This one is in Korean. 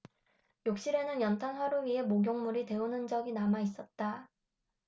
욕실에는 연탄 화로 위에 목욕물이 데운 흔적이 남아있었다